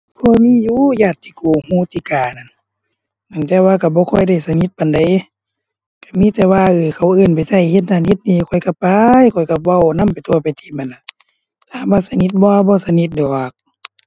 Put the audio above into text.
พอมีอยู่ญาติโกโหติกานั่น อั่น แต่ว่าก็บ่ค่อยได้สนิทปานใด ก็มีแต่ว่าเอ่อ เขาเอิ้นไปก็เฮ็ดนั่นเฮ็ดนี่ข้อยก็ไป ข้อยก็เว้านำไปทั่วไปทีปหั้นล่ะ ถามว่าสนิทบ่ บ่สนิทดอก